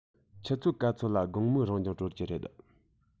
ཆུ ཚོད ག ཚོད ལ དགོང མོའི རང སྦྱོང གྲོལ གྱི རེད